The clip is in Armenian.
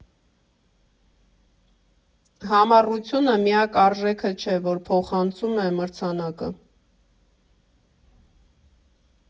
Համառությունը միակ արժեքը չէ, որ փոխանցում է մրցանակը.